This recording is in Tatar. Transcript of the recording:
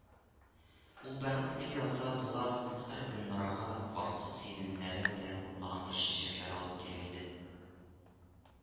Ул бәхетле язда Булат һәркөн Норага фарсы сиреньнәре белән ландыш чәчәкләре алып килә иде